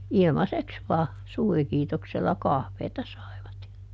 ilmaiseksi vain suurikiitoksella kahvia saivat ja